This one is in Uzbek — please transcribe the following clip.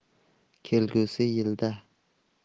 kelgusi yilda